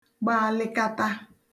gba alịkata